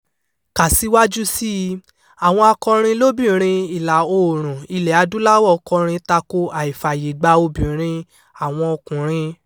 Kà síwájú sí i: Àwọn akọrin lóbìnrin Ìlà-Oòrùn Ilẹ̀ Adúláwọ̀ kọrin tako àìfààyè gba obìnrin àwọn ọkùnrin.